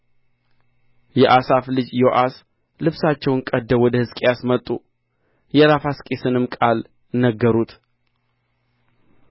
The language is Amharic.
የአሳፍ ልጅ ዮአስ ልብሳቸውን ቀድደው ወደ ሕዝቅያስ መጡ የራፋስቂስንም ቃል ነገሩት